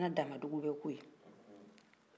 i fana dama dugu bɛ k'o ye